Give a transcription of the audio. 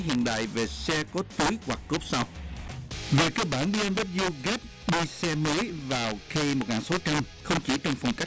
hiện đại về xe có túi hoặc cốp sau về cơ bản bê em đáp lưu ghép bê xê mới vào cây một ngàn sáu trăm không chỉ trong phong cách